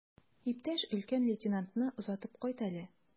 Иптәш өлкән лейтенантны озатып кайт әле.